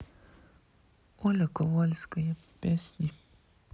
оля ковальская песни